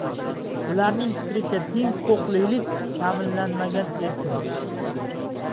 ularning fikricha teng huquqlilik ta'minlanmagan erkin